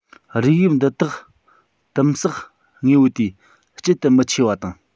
རིགས དབྱིབས འདི དག དིམ བསགས དངོས པོ དེའི དཀྱིལ དུ མི མཆིས པ དང